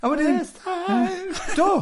Do!